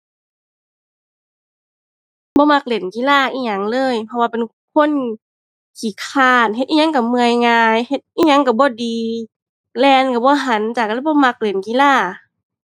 บ่มักเล่นกีฬาอิหยังเลย เพราะว่าเป็นคนขี้คร้าน เฮ็ดอิหยังก็เมื่อยง่าย เฮ็ดอิหยังก็บ่ดี แล่นก็บ่หันจ้า ก็เลยบ่มักเล่นกีฬา